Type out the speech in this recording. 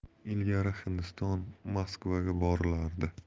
ilgari hindiston moskvaga borilardi